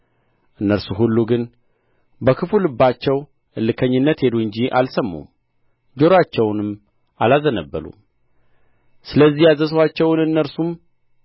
እነርሱ ሁሉ ግን በክፉ ልባቸው እልከኝነት ሄዱ እንጂ አልሰሙም ጆሮአቸውንም አላዘነበሉም ስለዚህ ያዘዝኋቸውን እነርሱም